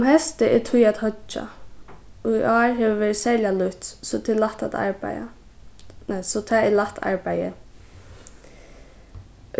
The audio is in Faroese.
um heystið er tíð at hoyggja í ár hevur verið serliga lýtt so tað er lætt at arbeiða nei so tað er lætt arbeiði